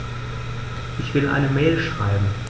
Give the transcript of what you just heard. Ich will eine Mail schreiben.